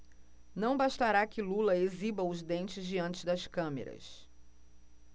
não bastará que lula exiba os dentes diante das câmeras